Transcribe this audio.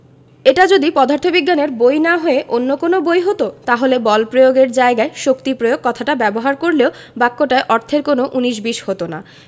এটা যদি পদার্থবিজ্ঞানের বই না হয়ে অন্য কোনো বই হতো তাহলে বল প্রয়োগ এর জায়গায় শক্তি প্রয়োগ কথাটা ব্যবহার করলেও বাক্যটায় অর্থের কোনো উনিশ বিশ হতো না